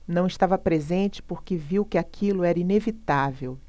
não estava presente porque viu que aquilo era inevitável